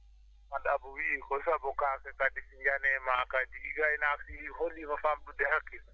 hannde Abou wiyi hol sabu kaake kadi so njani e maa kadi gaynako so yii holliima ko famɗude hakkille